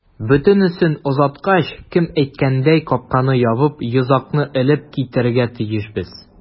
Бөтенесен озаткач, кем әйткәндәй, капканы ябып, йозакны элеп китәргә тиешбез.